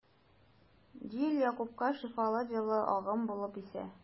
Җил Якупка шифалы җылы агым булып исә.